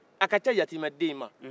a ka can yatimɛ den in ma